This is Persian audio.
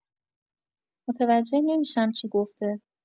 متوجه نمی‌شم چی گفته؟